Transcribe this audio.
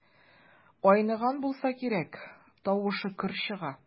Айныган булса кирәк, тавышы көр чыга.